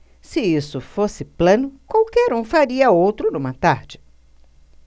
se isso fosse plano qualquer um faria outro numa tarde